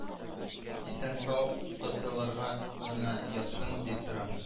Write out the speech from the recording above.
Исән-сау котылырга гына язсын дип торам